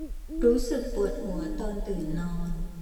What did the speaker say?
รู้สึกปวดหัวตอนตื่นนอน